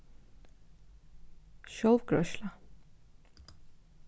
sjálvgreiðsla